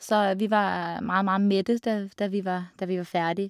Så vi var meget, meget mette dav da vi var da vi var ferdig.